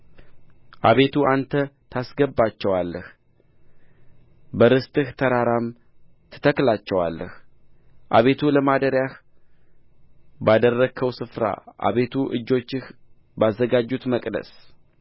አቤቱ አንተ ታስገባቸዋለህ በርስትህ ተራራም ትተክላቸዋለህ አቤቱ ለማደሪያህ ባደረግኸው ስፍራ አቤቱ እጆችህ ባዘጋጁት መቅደስ